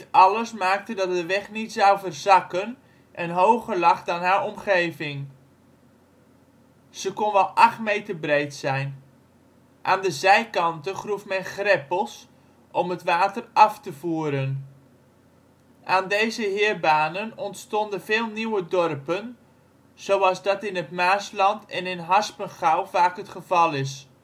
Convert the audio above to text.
alles maakte dat de weg niet zou verzakken en hoger lag dan haar omgeving. Ze kon wel 8 meter breed zijn. Aan de zijkanten groef men greppels (talud) om het water af te voeren. Aan deze heerbanen ontstonden veel nieuwe dorpen, zoals dat in het Maasland en in Haspengouw vaak het geval is